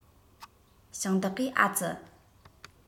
ཞིང བདག གིས ཨ ཙི